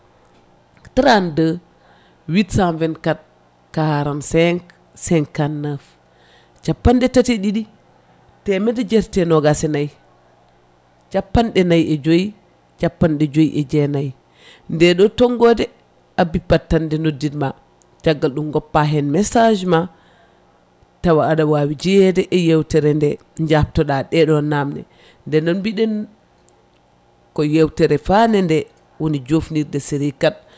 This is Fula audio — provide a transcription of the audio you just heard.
32 824 45 59 capanɗe tati e ɗiɗi temedde jeetati e nogas e nayyi capanɗe nayyi e joyyi capanɗe joyyi e jeenayyi nde ɗo tonggode a baippat tan nde nodditma caggal ɗum goppa hen message ma tawa aɗa wawi jeeyede e yewtere nde jabtoɗa ɗeɗo namde nden noon mbiɗen ko yewtere faade nde woni jofnirɗe série 4